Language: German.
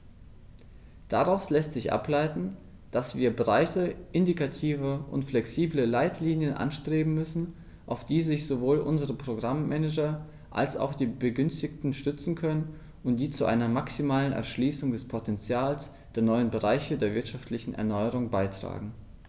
Daraus lässt sich ableiten, dass wir breite, indikative und flexible Leitlinien anstreben müssen, auf die sich sowohl unsere Programm-Manager als auch die Begünstigten stützen können und die zu einer maximalen Erschließung des Potentials der neuen Bereiche der wirtschaftlichen Erneuerung beitragen.